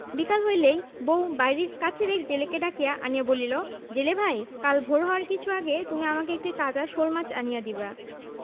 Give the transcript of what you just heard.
বিকাল হইলে বউ বাড়ির কাছের এক জেলেকে ডাকিয়া আনিয়া বলিল জেলে ভাই কাল ভোর হওয়ার কিছু আগে তুমি আমাকে একটি তাজা শোলমাছ আনিয়া দিবা